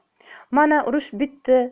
mana urush bitdi